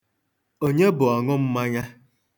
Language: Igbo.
Onye bụ ọṅụmmanya?